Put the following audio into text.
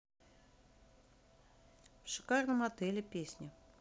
в шикарном отеле песня